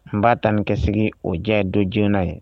N b'a tani kɛsigi o diya don joona ye